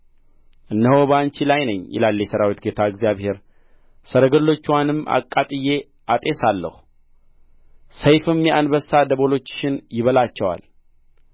እነሆ በአንቺ ላይ ነኝ ይላል የሠራዊት ጌታ እግዚአብሔር ሰረገሎችዋንም አቃጥዬ አጤሳለሁ ሰይፍም የአንበሳ ደቦሎችሽን ይበላቸዋል